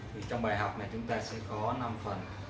trong bài học này chúng ta sẽ có phần a b c d e f